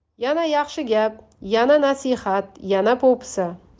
yana yaxshi gap yana nasihat yana po'pisa